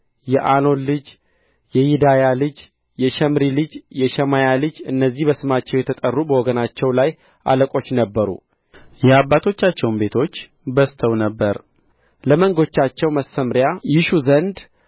የአሎን ልጅ የይዳያ ልጅ የሺምሪ ልጅ የሸማያ ልጅ እነዚህ በስማቸው የተጠሩ በወገኖቻቸው ላይ አለቆች ነበሩ የአባቶቻቸውም ቤቶች በዝተው ነበር ለመንጎቻቸው መሰምርያ ይሹ ዘንድ